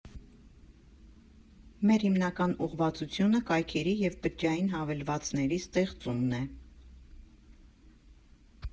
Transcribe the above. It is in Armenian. Մեր հիմնական ուղղվածությունը կայքերի և բջջային հավելվածների ստեղծումն է։